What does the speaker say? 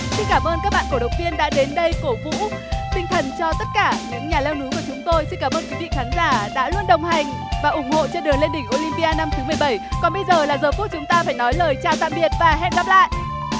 xin cảm ơn các bạn cổ động viên đã đến đây cổ vũ tinh thần cho tất cả những nhà leo núi của chúng tôi xin cảm ơn quý vị khán giả đã luôn đồng hành và ủng hộ trên đường lên đỉnh ô lim pi a năm thứ mười bảy còn bây giờ là giờ phút chúng ta phải nói lời chào tạm biệt và hẹn gặp lại